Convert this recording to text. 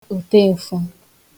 òteǹfụ̄